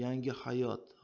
yangi hayot